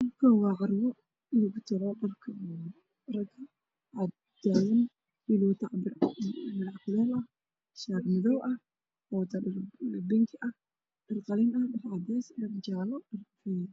Waa carwo waxaa yaalla dhar nin ayaa taagan